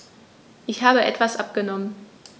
Ich habe etwas abgenommen.